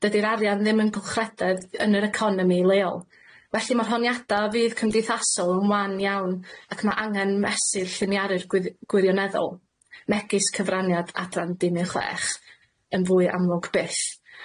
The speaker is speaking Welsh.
Dydi'r arian ddim yn cylchredeg yn yr economi leol. Felly ma'r honiada' o fudd cymdeithasol yn wan iawn, ac ma' angen mesur llinaru'r gwir- gwirioneddol megis cyfraniad adran dim un chwech yn fwy amlwg byth.